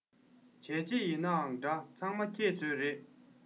བྱས རྗེས ཡིན ནའང འདྲ ཚང མ ཁྱེད ཚོའི རེད